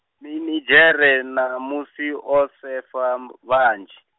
minidzhere mamusi o sefa vhanzhi.